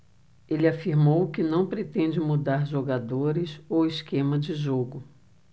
ele afirmou que não pretende mudar jogadores ou esquema de jogo